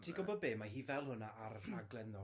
Ti'n gwybod be, mae hi fel hwnna ar y rhaglen ddo.